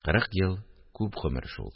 – кырык ел күп гомер шул